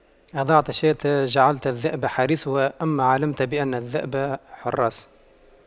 أضعت شاة جعلت الذئب حارسها أما علمت بأن الذئب حراس